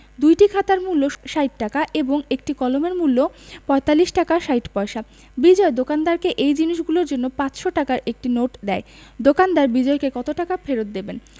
দুইটি খাতার মূল্য ৬০ টাকা এবং একটি কলমের মূল্য ৪৫ টাকা ৬০ পয়সা বিজয় দোকানদারকে এই জিনিসগুলোর জন্য ৫০০ টাকার একটি নোট দেয় দোকানদার বিজয়কে কত টাকা ফেরত দেবেন